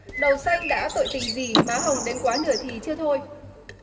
đầu xanh đã tội tình gì má hồng đến quá nửa thì chưa thôi